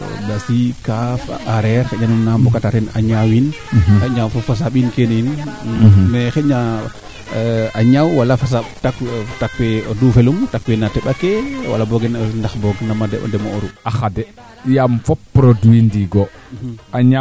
kaa waxtu fee te duuf uuna a ndano nge te duuf uuna roogo ndingil kaa sombat koy wax deg duuf ɓasi pour te faxika faaf yaam yaaga i mbada ay le 27 Aout keen to ndiing na o xiidum kaa teel'u simid i kaaga yo kaaga rend'u